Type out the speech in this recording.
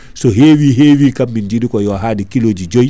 so heewi heewi kam min jiiɗi ko yo haaɗe kiloji joyyi